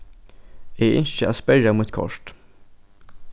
eg ynski at sperra mítt kort